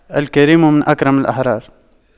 الكريم من أكرم الأحرار